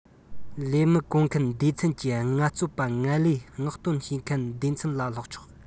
ལས མི བཀོལ མཁན སྡེ ཚན གྱིས ངལ རྩོལ པ ངལ ལས མངགས གཏོང བྱེད མཁན སྡེ ཚན ལ སློག ཆོག